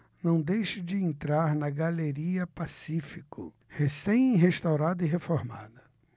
não deixe de entrar na galeria pacífico recém restaurada e reformada